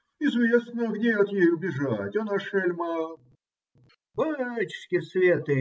- Известно, где от ей убежать! Она шельма. Батюшки светы!